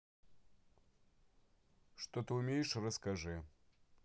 что ты умеешь расскажи